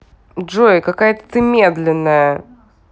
джой ты какая то медленная